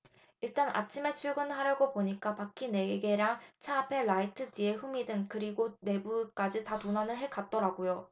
일단 아침에 출근을 하려고 보니까 바퀴 네 개랑 차 앞에 라이트 뒤에 후미등 그리고 내부까지 다 도난을 해 갔더라고요